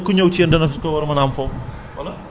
ngir noo war a mën a jëfandikoo produit yooyu